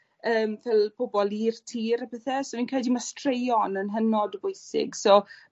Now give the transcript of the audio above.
yym ffel pobol i'r tir a pethe so fi'n credu ma' straeon yn hynod o bwysig. So